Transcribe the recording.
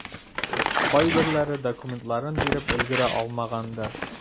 Кайберләре документларын биреп өлгерә алмагандыр.